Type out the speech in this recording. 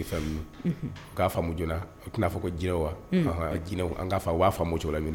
Faamu. Unhun. k'a faamu joona, u t'i n'a fɔ ko jinɛw wa? Hun. Ahan jinɛw. an ka fɔ. u b'a faam'o togo la